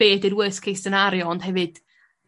be' 'di'r worst case scenario ond hefyd